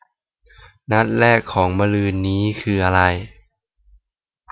นัดแรกของมะรืนนี้คืออะไร